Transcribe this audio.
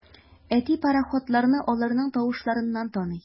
Әти пароходларны аларның тавышларыннан таный.